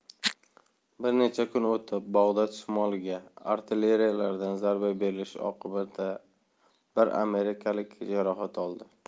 bir necha kun o'tib bag'dod shimoliga artilleriyadan zarba berilishi oqibatida bir amerikalik jarohat oldi